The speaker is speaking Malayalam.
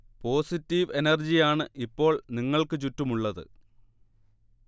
പോസിറ്റീവ് എനർജി ആണ് ഇപ്പോൾ നിങ്ങൾക്ക് ചുറ്റുമുള്ളത്